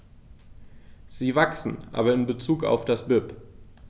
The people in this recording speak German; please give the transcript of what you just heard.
Sie wachsen, aber in bezug auf das BIP.